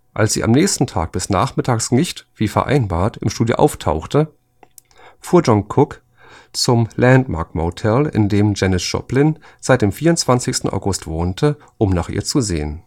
Als sie am nächsten Tag bis nachmittags nicht, wie vereinbart, im Studio auftauchte, fuhr John Cooke zum Landmark Motel, in dem Janis Joplin seit dem 24. August wohnte, um nach ihr zu sehen